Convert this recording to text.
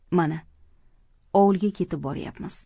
mana ovulga ketib boryapmiz